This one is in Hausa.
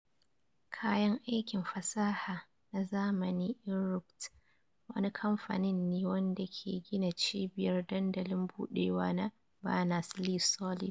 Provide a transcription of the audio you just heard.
Kayan aikin fasaha na zamani Inrupt, wani kamfanin ne wanda ke gina cibiyar dandalin budewa na Berners-Lee Solid.